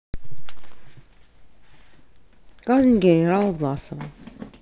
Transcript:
казнь генерала власова